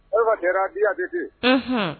Ayiwa ma kɛra di yandi bi